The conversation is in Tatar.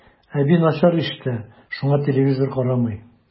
Әби начар ишетә, шуңа телевизор карамый.